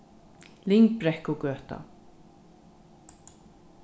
lyngbrekkugøta